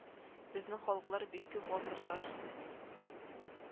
Безнең халыклар бик күп гасырлар